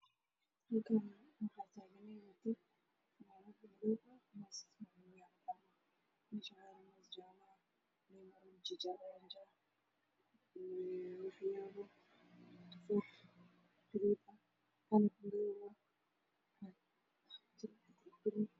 Waa maalmihiisa oo lagu iibinayo khudaar farabadan waxaa taagan nin oo gadaayo moss ayuu cunayaa